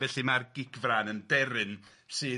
Ffelly mae'r gigfran yn deryn sydd